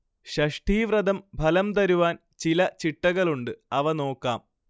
ഷഷ്ഠീവ്രതം ഫലം തരുവാൻ ചില ചിട്ടകളുണ്ട് അവ നോക്കാം